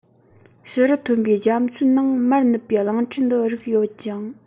བྱུ རུ ཐོན པའི རྒྱ མཚོའི ནང མར ནུབ པའི གླིང ཕྲན འདི རིགས ཡོད ཅིང